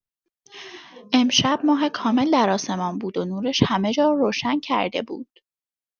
امشب ماه کامل در آسمان بود و نورش همه جا را روشن کرده بود.